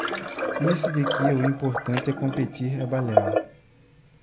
isso de que o importante é competir é balela